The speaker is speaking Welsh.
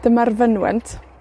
Dyma'r fynwent.